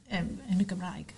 yym yn y Gymraeg.